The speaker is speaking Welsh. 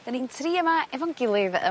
'Dan ni'n tri yma efo'n gilydd ym...